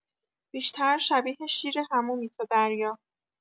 بیشتر شبیه شیر حمومی تا دریا